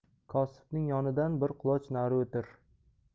kosibning yonidan bir quloch nari o'tir